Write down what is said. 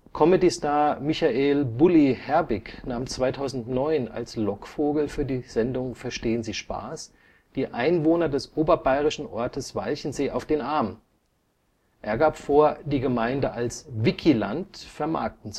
Comedy-Star Michael „ Bully “Herbig nahm 2009 als Lockvogel für die Sendung Verstehen Sie Spaß? die Einwohner des oberbayerischen Ortes Walchensee auf den Arm: er gab vor, die Gemeinde als Wickieland vermarkten